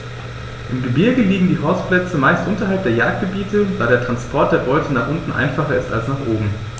Im Gebirge liegen die Horstplätze meist unterhalb der Jagdgebiete, da der Transport der Beute nach unten einfacher ist als nach oben.